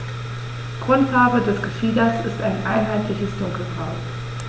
Grundfarbe des Gefieders ist ein einheitliches dunkles Braun.